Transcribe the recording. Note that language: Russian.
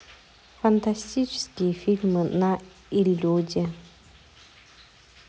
фантастические фильмы на иллюде